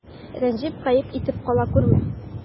Рәнҗеп, гаеп итеп кала күрмә.